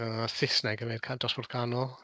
A Saesneg hefyd, ca- dosbarth canol.